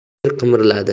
yer qimirladi